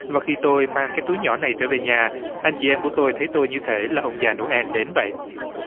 và khi tôi mang cái túi nhỏ này trở về nhà anh chị em của tôi thấy tôi như thể là ông già nô en đến vậy